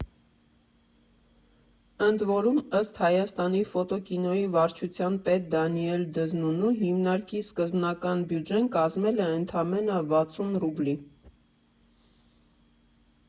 Ընդ որում, ըստ Հայաստանի ֆոտո֊կինոյի վարչության պետ Դանիել Դզնունու, հիմնարկի սկզբնական բյուջեն կազմել է ընդամենը վաթսուն ռուբլի։